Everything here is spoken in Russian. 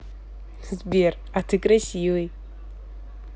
сбер а ты красивый